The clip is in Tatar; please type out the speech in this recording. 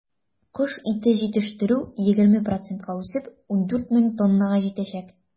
Кош ите җитештерү, 20 процентка үсеп, 14 мең тоннага җитәчәк.